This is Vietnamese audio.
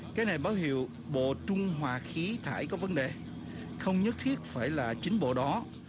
cái này báo hiệu bộ trung hòa khí thải có vấn đề không nhất thiết phải là chính bộ đó